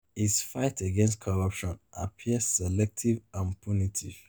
His fight against corruption appears selective and punitive.